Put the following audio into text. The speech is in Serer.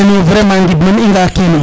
no vraiment ngid man i nga a a kenum